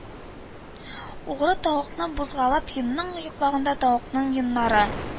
Угры тавыкны бугазлап, йонын йолыкканда тавыкның йоннары